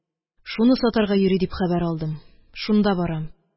Шуны сатарга йөри дип хәбәр алдым. Шунда барам